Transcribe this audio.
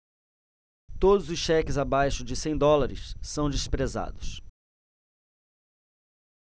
todos os cheques abaixo de cem dólares são desprezados